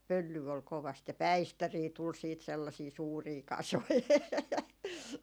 pölyä oli kovasti ja päistäreitä tuli sitten sellaisia suuria kasoja